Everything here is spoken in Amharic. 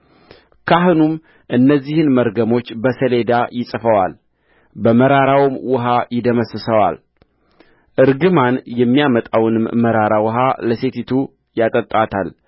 ካህኑም እነዚህን መርገሞች በሰሌዳ ይጽፈዋል በመራራውም ውኃ ይደመስሰዋልእርግማን የሚያመጣውንም መራራ ውኃ ለሴቲቱ ይጠጣታል